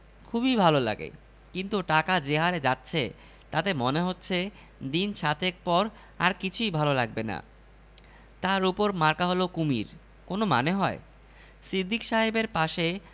কুমীর প্রতীকের খবর শহরে ছড়িয়ে দেবার দায়িত্ব শেষ করে মুখলেস সাহেব ফার্মেসীতে এসে বসলেন সিদ্দিকুর রহমান আগে থেকেই সেখানে আছেন